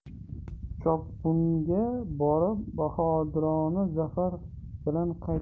chopqunga borib bahodirona zafar bilan qaytdi